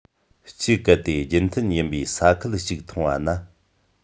གཅིག གལ ཏེ རྒྱུན མཐུད ཡིན པའི ས ཁུལ གཅིག མཐོང བ ན